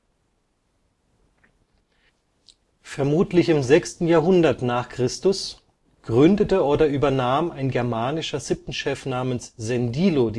Vermutlich im 6. Jahrhundert n.Chr. gründete oder übernahm ein germanischer Sippenchef namens „ Sendilo